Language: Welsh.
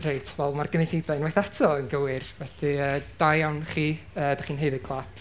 Reit, wel ma'r gynulleidfa'n unwaith eto yn gywir, felly yy da iawn chi, dach chi'n haeddu clap.